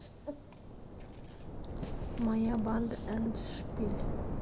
моя банда эндшпиль